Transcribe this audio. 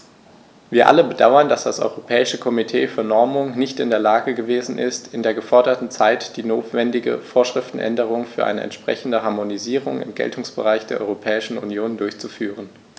Wir alle bedauern, dass das Europäische Komitee für Normung nicht in der Lage gewesen ist, in der geforderten Zeit die notwendige Vorschriftenänderung für eine entsprechende Harmonisierung im Geltungsbereich der Europäischen Union durchzuführen.